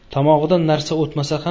tomog'idan narsa o'tmasa xam